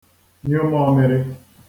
nyụ mọmịrị